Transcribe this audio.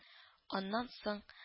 Аннан соң